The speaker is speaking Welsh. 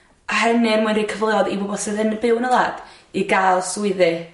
a hynny er mwyn roi cyfleodd i bobol sydd yn byw yn y wlad i ga'l swyddi.